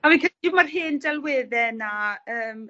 A fi'n credu ma'r delwedde 'na yym